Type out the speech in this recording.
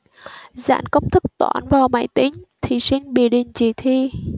dán công thức toán vào máy tính thí sinh bị đình chỉ thi